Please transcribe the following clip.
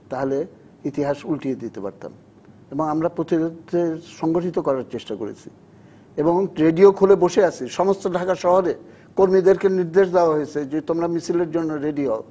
তাহলে উল্টিয়ে দিতে পারতাম এবং আমরা প্রতিরোধের সংগঠিত করার চেষ্টা করেছি এবং রেডিও খুলে বসে আছি সমস্ত ঢাকা শহরে কর্মীদেরকে নির্দেশ দেয়া হয়েছে যে তোমরা মিছিলের জন্য রেডি হও